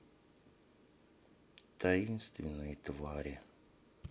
таинственные твари